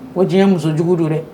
O diɲɛ musojugu don dɛ